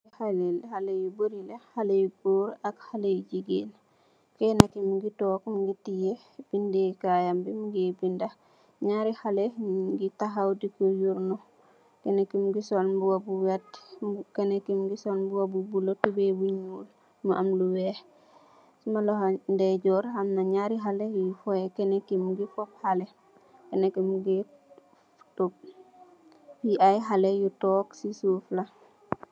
Hale yi, hale yu bori góór ak jígeen, kenaki mungi tiyeh bindi kaiye am bi mungeh binda, nyari hale nyungi tahaw di ko yurndu, kenenke mungi sol mbuba bu verte tahaw di koh nyur du, keneenki mungi sol mbuba bu blue toubel bu nyul am lu weh, loho ndey jor amna nyari hale yu fohe kenenke mungi fob hale, yi ayi hale yu tog si suf la .